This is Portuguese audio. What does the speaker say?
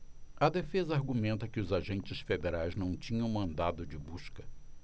a defesa argumenta que os agentes federais não tinham mandado de busca